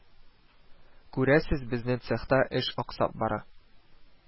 Күрәсез, безнең цехта эш аксап бара